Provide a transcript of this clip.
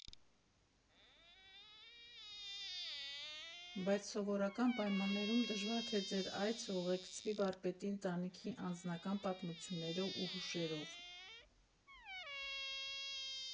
Բայց սովորական պայմաններում դժվար թե ձեր այցը ուղեկցվի վարպետի ընտանիքի անձնական պատմություններով ու հուշերով։